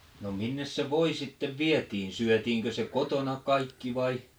no minne se voi sitten vietiin syötiinkö se kotona kaikki vai